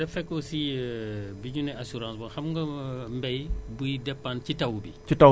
waa dafa fekk aussi dañu ne assurance bon xam nga mbay buy dépendre ci taw bi